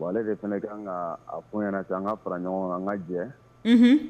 Bon ale bɛ fana kɛ an ka kun ɲɛnaana an ka fara ɲɔgɔn na an ka jɛhun